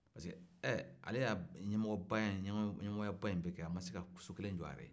parce que ale ye ɲɛmɔgɔyaba in bɛɛ kɛ ale ma se ka so kelen jɔ a yɛrɛ ye